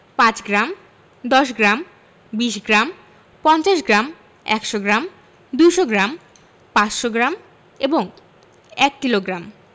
৫ gram ১০গ্ৰাম ২০ gram ৫০ gram ১০০ gram ২০০ gram ৫০০ gram ও ১ kilogram